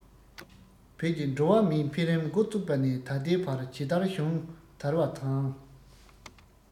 བོད ཀྱི འགྲོ བ མིའི འཕེལ རིམ མགོ བཙུགས པ ནས ད ལྟའི བར ཇི ལྟར བྱུང ཞིང དར བ དང